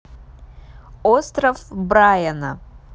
остров брайана